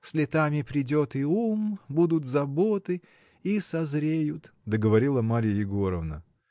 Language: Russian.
— С летами придет и ум, будут заботы — и созреют, — договорила Марья Егоровна.